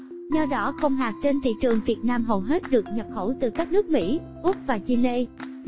nho đỏ không hạt trên thị trường việt nam hầu hết được nhập khẩu từ các nước mỹ úc và chile